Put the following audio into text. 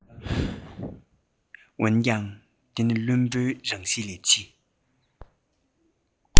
འོན ཀྱང འདི ནི བླུན པོའི རང གཤིས ལས ཅི